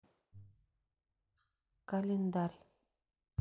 календарь